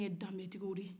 an ye danbe tigiw de ye